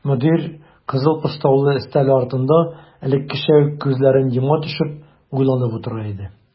Мөдир кызыл постаулы өстәле артында элеккечә үк күзләрен йома төшеп уйланып утыра иде.